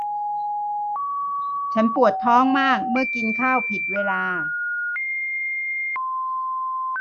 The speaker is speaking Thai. ฉันปวดท้องมากเมื่อกินข้าวผิดเวลา